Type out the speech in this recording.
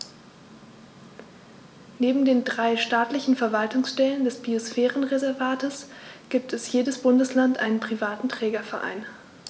Neben den drei staatlichen Verwaltungsstellen des Biosphärenreservates gibt es für jedes Bundesland einen privaten Trägerverein.